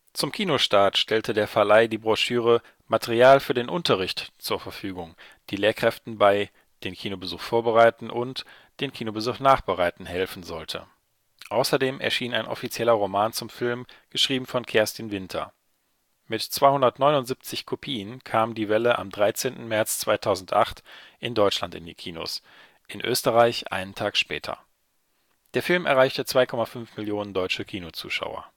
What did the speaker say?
Zum Kinostart stellte der Verleih die Broschüre Material für den Unterricht zur Verfügung, die Lehrkräften bei „ Den Kinobesuch vorbereiten “und „ Den Kinobesuch nachbereiten “helfen sollte. Außerdem erschien ein offizieller Roman zum Film, geschrieben von Kerstin Winter. Mit 279 Kopien kam Die Welle am 13. März 2008 in Deutschland in die Kinos, in Österreich einen Tag später. Der Film erreichte 2,5 Millionen deutsche Kinozuschauer